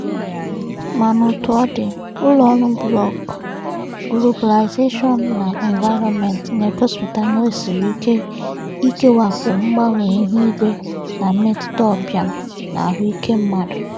Mana otúọdị, ụlọọrụ blọọgụ Globalization and Environment na-egosipụta na o siri ike ikewapụ mgbanwe ihuígwé na mmetụta ụbiam n'ahụike mmadụ.